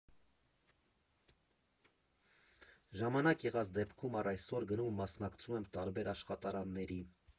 Ժամանակ եղած դեպքում առ այսօր գնում ու մասնակցում եմ տարբեր աշխատարանների։